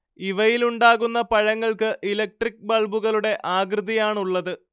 ഇവയിലുണ്ടാകുന്ന പഴങ്ങൾക്ക് ഇലക്ട്രിക് ബൾബുകളുടെ ആകൃതിയാണുള്ളത്